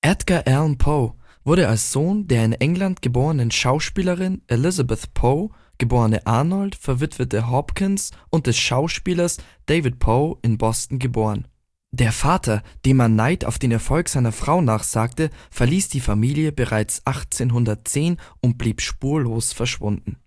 Edgar Allan Poe wurde als Sohn der in England geborenen Schauspielerin Elizabeth Poe, geb. Arnold, verwitwete Hopkins, und des Schauspielers David Poe in Boston geboren. Der Vater, dem man Neid auf den Erfolg seiner Frau nachsagte, verließ die Familie bereits 1810 und blieb spurlos verschwunden